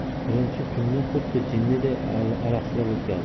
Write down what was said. birinchi tunni xuddi jinniday alahsirab o'tkazdi